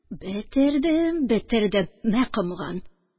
Бетердем, бетердем, мә комган